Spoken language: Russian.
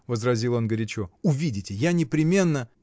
— возразил он горячо, — увидите, я непременно.